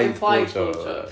implied blowjob